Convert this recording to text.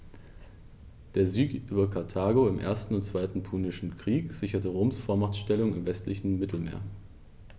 Der Sieg über Karthago im 1. und 2. Punischen Krieg sicherte Roms Vormachtstellung im westlichen Mittelmeer.